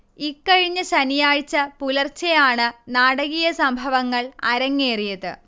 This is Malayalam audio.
ഇക്കഴിഞ്ഞ ശനിയാഴ്ച പുലർച്ചയാണ് നാടകീയ സംഭവങ്ങൾ അരങ്ങറേിയത്